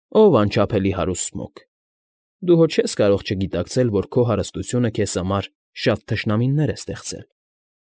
Ով անչափելի հարուստ Սմոգ, դու հո չես կարող չգիտակցել, որ քո հարստությունը քեզ համար շատ թշնամիներ է ստեղծել։